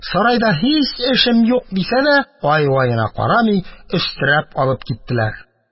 Сарайда һич эшем юк, – дисә дә, ай-ваена карамый, өстерәп алып киттеләр.